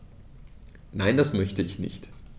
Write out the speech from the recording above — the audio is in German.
Nein, das möchte ich nicht.